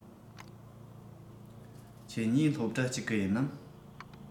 ཁྱེད གཉིས སློབ གྲྭ གཅིག གི ཡིན ནམ